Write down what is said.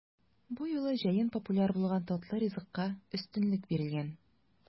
Бу юлы җәен популяр булган татлы ризыкка өстенлек бирелгән.